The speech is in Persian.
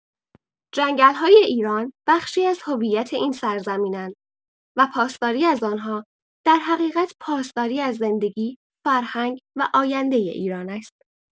جنگل‌های ایران بخشی از هویت این سرزمین‌اند و پاسداری از آنها در حقیقت پاسداری از زندگی، فرهنگ و آینده ایران است.